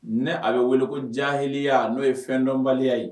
Ne a bɛ wele ko jahiliya n'o ye fɛndɔnbaliya ye